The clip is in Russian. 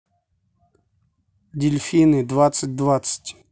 дельфины двадцать двадцать